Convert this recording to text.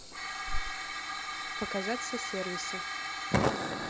показать все сервисы